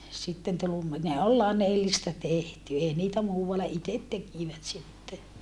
sitten tuli - ne oli flanellista tehty ei niitä muualla itse tekivät sitten